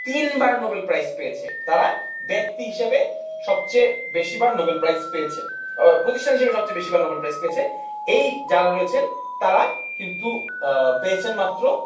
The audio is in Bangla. তিনবার নোবেল প্রাইজ পেয়েছে তারা ব্যক্তি হিসেবে সবচেয়ে বেশিবার নোবেল প্রাইজ পেয়েছে প্রতিষ্ঠান হিসেবে সবচেয়ে বেশিবার নোবেল প্রাইজ পেয়েছে এই যারা রয়েছেন তারা কিন্তু পেয়েছেন মাত্র